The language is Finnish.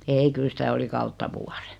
ei kyllä sitä oli kautta vuoden